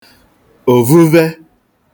òvuve